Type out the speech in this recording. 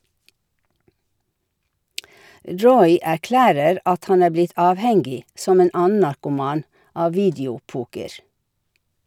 Roy erklærer at han er blitt avhengig, som en annen narkoman, av video-poker.